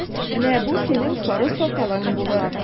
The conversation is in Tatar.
Менә бу синең сары сакалың булыр!